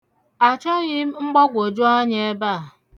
Achọghị mgbagwoju anya ebe a.